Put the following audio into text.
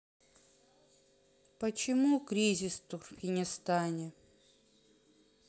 почему кризис в туркменистане